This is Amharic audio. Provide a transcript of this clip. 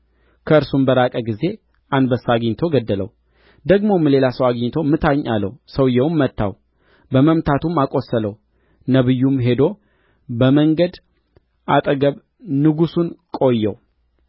ከእርሱም በራቀ ጊዜ አንበሳ አግኝቶ ገደለው ደግሞም ሌላ ሰው አግኝቶ ምታኝ አለው ሰውዮውም መታው በመምታቱም አቈሰለው ነቢዩም ሄዶ በመንገድ አጠገብ ንጉሡን ቆየው